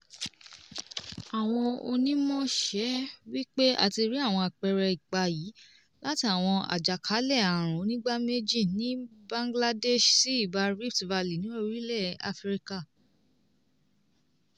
Àwọn onímọ̀ọ́ṣe wí pé a ti rí àwọn àpẹẹrẹ ipa yìí, láti àwọn àjàkálẹ̀ àrùn onígbáméjì ní Bangladesh sí ibà Rift Valley ní orílẹ̀ Áfíríkà.